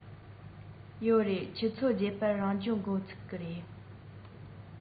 ཡོད རེད ཆུ ཚོད བརྒྱད པར རང སྦྱོང འགོ ཚུགས ཀྱི རེད